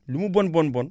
lu mu bon bon bon